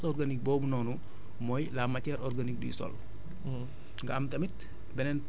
mais amaat beneen phse organique phase organique boobu noonu mooy la matière organique du sol